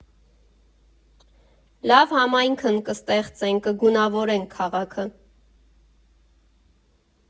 Լավ համայնք կստեղծենք, կգունավորենք քաղաքը։